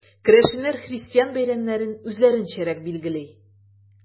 Керәшеннәр христиан бәйрәмнәрен үзләренчәрәк билгели.